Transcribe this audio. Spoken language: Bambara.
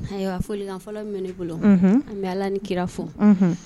Ayiwa foli fɔlɔ bɛ ne bolo an bɛ ala ni kira fɔ